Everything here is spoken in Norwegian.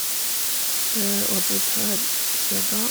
Og har bodd her sia da.